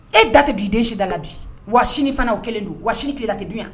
E da tɛ bi denda la bi wa fana o kɛlen don wa tilela tɛ dun yan